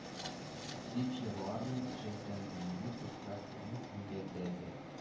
Дип җырлармын җәсәдемне туфрак белән күмгәндә дә